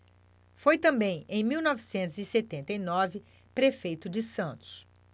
foi também em mil novecentos e setenta e nove prefeito de santos